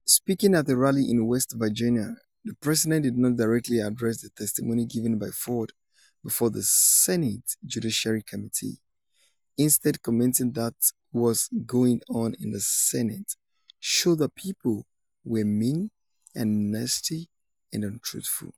Speaking at a rally in West Virginia, the president did not directly address the testimony given by Ford before the Senate Judiciary Committee, instead commenting that what was going on in the Senate showed that people were "mean and nasty and untruthful."